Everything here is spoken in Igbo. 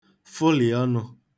fụlị̀ ọnụ̄